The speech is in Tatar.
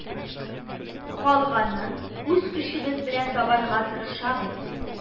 Калганын үз көчебез белән табарга тырышабыз